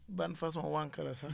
ban façon wànq la sax